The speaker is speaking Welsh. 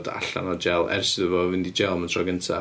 Allan o jail ers iddo fo fynd i jail am y tro cynta.